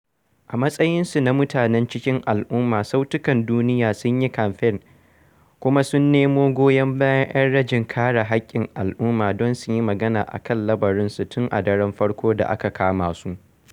A matsayinsu na mutanen cikin al'umma, Sautukan Duniya sun yi kamfe kuma sun nemo goyon bayan 'yan rajin kare haƙƙin al'umma don su yi magana a kan lamarinsu tun a daren farko da aka kama su.